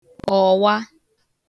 ọwa